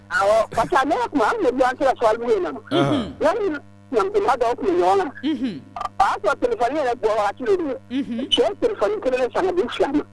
Awɔ, k'a sɔrɔ a ɛna, o tuma, o y'a sɔr an tun bɛ luwanse la Sabalibugu yn nɔ, ne ni sinamusoman dɔw tun bɛ ɲɔgɔn kan, a y'a sɔrɔ telephone yɛrɛ bɔ wagai de do , cɛ ye telephone 1 de ka di u 2 ma